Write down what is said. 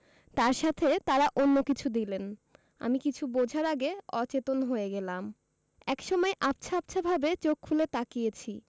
তার সাথে তারা অন্য কিছু দিলেন আমি কিছু বোঝার আগে অচেতন হয়ে গেলাম একসময় আবছা আবছাভাবে চোখ খুলে তাকিয়েছি